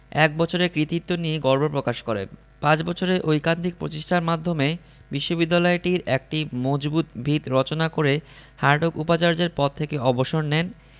এক বছরের কৃতিত্ব নিয়ে গর্ব প্রকাশ করেন পাঁচ বছরের ঐকান্তিক প্রচেষ্টার মাধ্যমে বিশ্ববিদ্যালয়টির একটি মজবুত ভিত রচনা করে হার্টগ উপাচার্যের পদ থেকে অবসর নেন